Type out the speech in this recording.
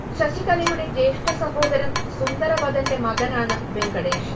ശശികലയുടെ ജ്യേഷ്ഠ സഹോദരൻ സുന്ദരവദന്റെ മകനാണ് വെങ്കടേഷ്